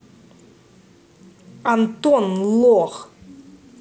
антон лох